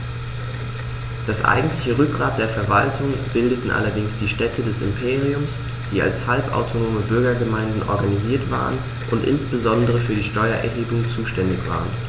Das eigentliche Rückgrat der Verwaltung bildeten allerdings die Städte des Imperiums, die als halbautonome Bürgergemeinden organisiert waren und insbesondere für die Steuererhebung zuständig waren.